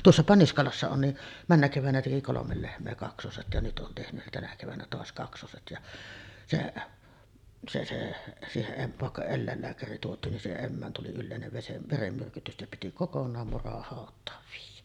tuossapa Niskalassa on niin menneenä keväänä teki kolme lehmää kaksoset ja nyt on tehnyt tänä keväänä taas kaksoset ja se se se siihen - vaikka eläinlääkäri tuotiin niin siihen emään tuli yleinen - verenmyrkytys että piti kokonaan murahautaan viedä